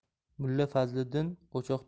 mulla fazliddin o'choqda